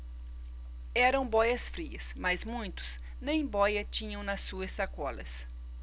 eram bóias-frias mas muitos nem bóia tinham nas suas sacolas